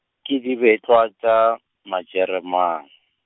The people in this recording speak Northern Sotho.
ke dibetlwa tša, Majeremane.